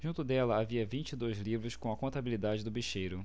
junto dela havia vinte e dois livros com a contabilidade do bicheiro